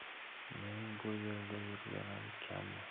mening bu yerda yurganim kammi